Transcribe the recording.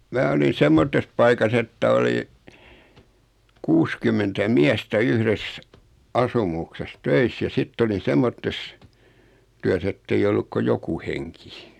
minä olin semmoisessa paikassa että oli kuusikymmentä miestä yhdessä asumuksessa töissä ja sitten olin semmoisessa työssä että ei ollut kuin joku henki